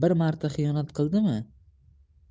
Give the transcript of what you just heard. bir marta xiyonat qildimi